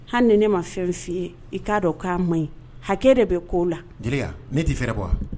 Hali ni ne ma fɛn f'i ye i k'a dɔn k'a man ɲi hakɛ de bɛ ko o la jeliba ne tɛ fɛ kuwa